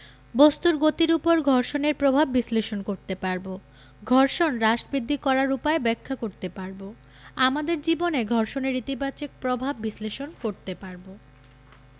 বস্তুর গতির উপর ঘর্ষণের প্রভাব বিশ্লেষণ করতে পারব ঘর্ষণ হ্রাস বৃদ্ধি করার উপায় ব্যাখ্যা করতে পারব আমাদের জীবনে ঘর্ষণের ইতিবাচক প্রভাব বিশ্লেষণ করতে পারব